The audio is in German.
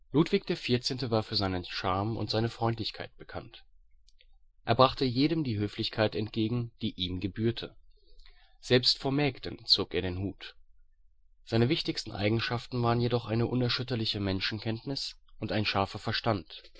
Ludwig XIV. war für seinen Charme und seine Freundlichkeit bekannt. Er brachte jedem die Höflichkeit entgegen, die ihm gebührte. Selbst vor Mägden zog er den Hut. Seine wichtigsten Eigenschaften waren jedoch eine unerschütterliche Menschenkenntnis und ein scharfer Verstand